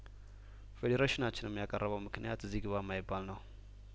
ፌዴሬሽናችንም ያቀረበው ምክንያት እዚህ ግባ የማይባል ነው